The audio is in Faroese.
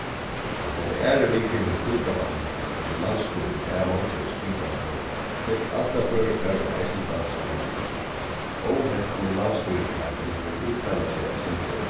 í hálva aðru viku hevur fútabannið sum landsstýri bað mótvegis kringvarpinum fylt allar føroyskar og eisini danskar miðlar óhepni landsstýrismaðurin hevur úttalað seg eitt sindur